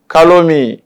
Kalo min